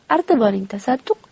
artib oling tasadduq